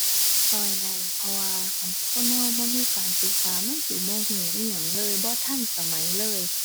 ช่วยได้ เพราะว่า คันคนช่วยบ่มีการศึกษา มันสิบ่ช่วยอิหยังเลย บ่ทันสมัยเลย